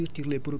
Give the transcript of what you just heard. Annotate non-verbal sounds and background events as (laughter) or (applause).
(hesitation) (hesitation)